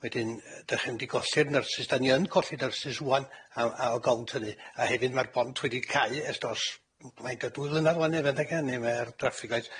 Wedyn yy dych chi'n mynd i golli'r nyrsys. Dan ni yn colli nyrsys ŵan a- a o gawnt hynnu. A hefyd ma'r bont wedi cau ers dos m- faint o dwy flynadd ŵan efyd ag ynny mae'r traffig light.